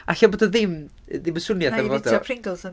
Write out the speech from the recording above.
Ella bod o ddim... ddim yn swnio .